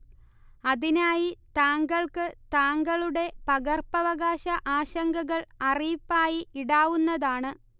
അതിനായി താങ്കൾക്ക് താങ്കളുടെ പകർപ്പവകാശ ആശങ്കകൾ അറിയിപ്പായി ഇടാവുന്നതാണ്